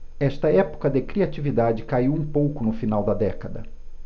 esta época de criatividade caiu um pouco no final da década